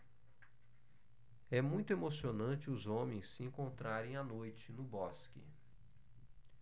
é muito emocionante os homens se encontrarem à noite no bosque